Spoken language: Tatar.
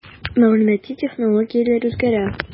Мәгълүмати технологияләр үзгәрә.